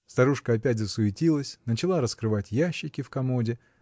Старушка опять засуетилась, начала раскрывать ящики в комоде.